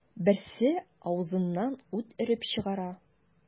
Берсе авызыннан ут өреп чыгара.